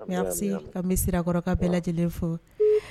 Ala ka tile hɛɛrɛ di an ma Merci k'an bɛɛ Sirakɔrɔ ka bɛɛ lajɛlen foo